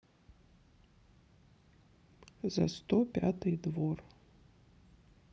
за сто пятый двор